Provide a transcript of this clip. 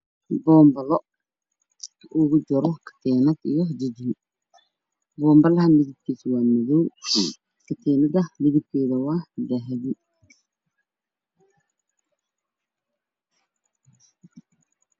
Waa boonbalo ku jiro ka tinad midabkeedu yahay dahabi boom baraha kala hargeysa waa madow